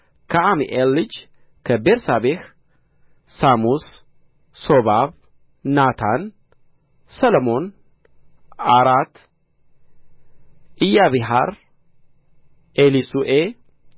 ከዓሚኤል ልጅ ከቤርሳቤህ ሳሙስ ሶባብ ናታን ሰሎሞን አራት ኢያቤሐር ኤሊሱዔ